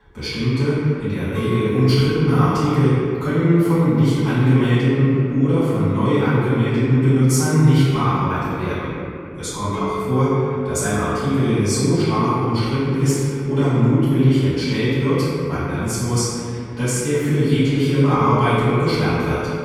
Bestimmte, in der Regel umstrittene Artikel können von nicht angemeldeten oder von neu angemeldeten Benutzern nicht bearbeitet werden; es kommt auch vor, dass ein Artikel so stark umstritten ist oder mutwillig entstellt wird (Vandalismus), dass er für jegliche Bearbeitung gesperrt wird